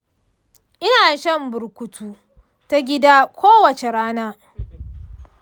ina shan burukutu ta gida kowace rana.